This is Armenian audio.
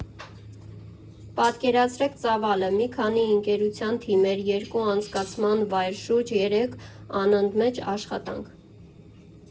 Պատկերացրեք ծավալը՝ մի քանի ընկերության թիմեր, երկու անցկացման վայր, շուրջ երեք օր անընդմեջ աշխատանք։